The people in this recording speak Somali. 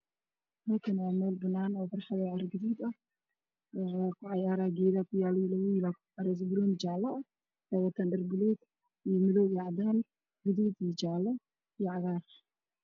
Meeshaan waa meel banaan oo carro gaduud ah waxaa kuyaalo geedo, waxaa kucayaarayo labo wiil waxay heystaan banooni jaale ah, dhar buluug, madow iyo cadaan, gaduud, jaale iyo cagaar.